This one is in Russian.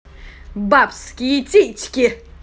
бабские титьки